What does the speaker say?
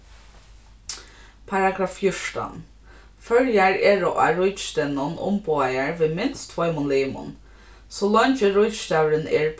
paragraf fjúrtan føroyar eru á ríkisdegnum umboðaðar við minst tveimum limum so leingi ríkisdagurin er